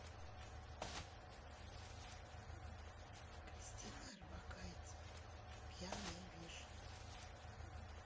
кристина орбакайте пьяная вишня